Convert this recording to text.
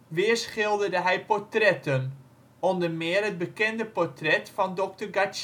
Weer schilderde hij portretten, onder meer het bekende portret van Dr. Gachet